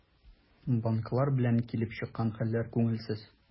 Банклар белән килеп чыккан хәлләр күңелсез.